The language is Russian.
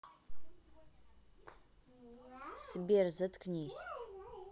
сбер заткнись